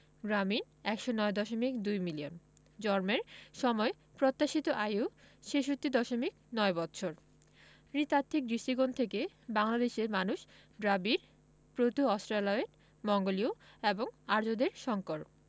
গ্রামীণ ১০৯দশমিক ২ মিলিয়ন জন্মের সময় প্রত্যাশিত আয়ু ৬৬দশমিক ৯ বৎসর নৃতাত্ত্বিক দৃষ্টিকোণ থেকে বাংলাদেশের মানুষ দ্রাবিড় প্রোটো অস্ট্রালয়েড মঙ্গোলীয় এবং আর্যদের সংকর